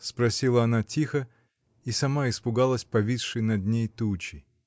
— спросила она тихо — и сама испугалась повисшей над ней тучи.